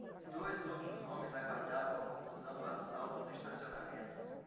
dois outros homens aguardavam a conclusão do assalto no estacionamento